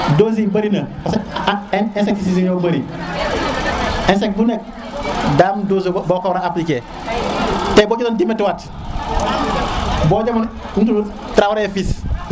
dese yi bërina a insecte yi daño bëri insecte bu neek da am dose boko wara appliquer tey bo jëloon demi bo demon uti Traoré fils